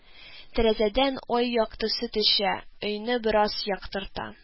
Тәрәзәдән ай яктысы төшә, өйне бераз яктырта